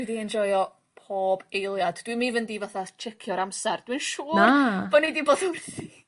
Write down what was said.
Dwi 'di enjoio pob eiliad dwi'm even 'di fatha checio'r amser dwi'n siŵr... Na. ...bo' ni 'di bod wrthi